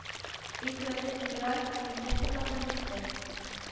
Иң куәтле федераль инвесторларның берсе